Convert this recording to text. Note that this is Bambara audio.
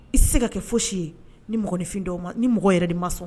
I tɛ se ka kɛ foyisi ye ni mɔgɔnfin dɔw ma ni mɔgɔ yɛrɛ de ma sɔn